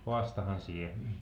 haastahan sinä